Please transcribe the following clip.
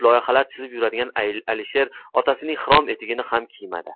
loyihalar chizib yuradigan alisher otasining xrom etigini ham kiymadi